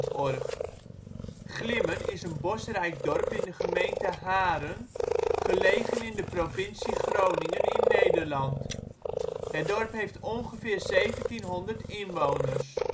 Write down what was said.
OL Glimmen Plaats in Nederland Situering Provincie Groningen Gemeente Haren Coördinaten 53° 8′ NB, 6° 38′ OL Algemeen Inwoners 1700 Foto 's Glimmen Portaal Nederland Glimmen is een bosrijk dorp in de gemeente Haren, gelegen in de provincie Groningen in Nederland. Het dorp heeft ongeveer 1700 inwoners